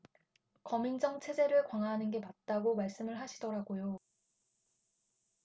검인정 체제를 강화하는 게 맞다라고 말씀을 하시더라고요